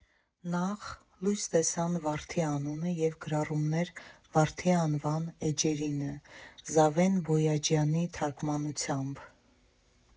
Նախ՝ լույս տեսան «Վարդի անունը» և «Գրառումներ «Վարդի անվան» էջերինը»՝ Զավեն Բոյաջյանի թարգմանությամբ։